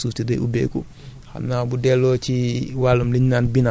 donc dañuy soxla ngelaw boo defee labour suuf si day day suuf si day ubbeeku